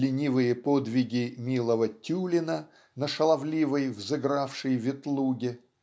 ленивые подвиги милого Тюлина на шаловливой взыгравшей Ветлуге